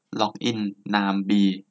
ล็อกอินนามบี